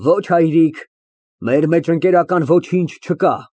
Ոչ հայրիկ, մեր մեջ ընկերական ոչինչ չկա։